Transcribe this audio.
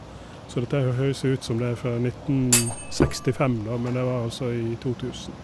Så dette her hø høres jo ut som det er fra nitten sekstifem, da, men det var altså i to tusen.